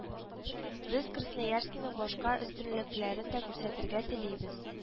Без красноярскиның башка өстенлекләрен дә күрсәтергә телибез